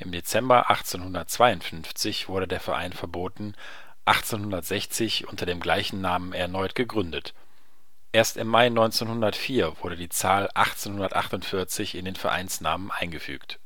Dezember 1852 wurde der Verein verboten, 1860 unter dem gleichen Namen erneut gegründet. Erst im Mai 1904 wurde die Zahl 1848 in den Vereinsnamen eingefügt